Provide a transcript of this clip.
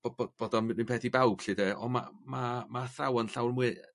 bo' bo' bod o'm 'run beth i bawb lly de on' ma' ma' ma' thrawon llawn mwy yy